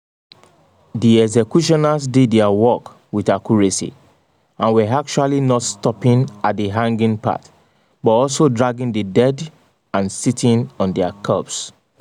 The executioners did their work with accuracy, and were actually not stopping at the hanging part, but also dragging the dead and sitting on their corpses.